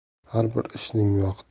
har bir ishning vaqti